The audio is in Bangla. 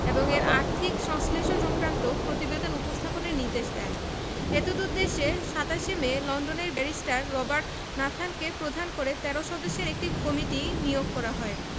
এবং এর আর্থিক সংশ্লেষ সংক্রান্ত প্রতিবেদন উপস্থাপনের নির্দেশ দেন এতদুদ্দেশ্যে ২৭ শে মে লন্ডনের ব্যারিস্টার রবার্ট নাথানকে প্রধান করে ১৩ সদস্যের একটি কমিটি নিয়োগ করা হয়